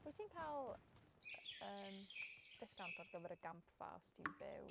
Wyt ti'n cael yym discount ar gyfer y gampfa os ti'n byw?